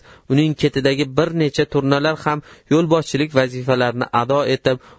uning ketidagi bir necha turnalar ham yo'lboshchilik vazifalarini ado etib